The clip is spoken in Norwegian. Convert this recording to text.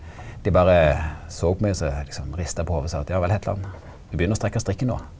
dei berre såg på meg også liksom rista på hovudet og sa at ja vel Hetland du begynner å strekke strikken nå.